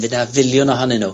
fy' 'na filiwn ohonyn nw...